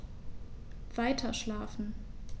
Weiterschlafen.